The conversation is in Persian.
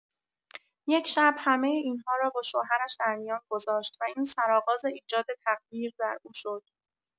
یک شب همه این‌ها را با شوهرش در میان گذاشت و این سرآغاز ایجاد تغییر در او شد.